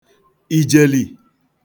ìjèlì